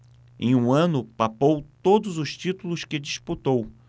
em um ano papou todos os títulos que disputou